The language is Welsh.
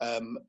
yym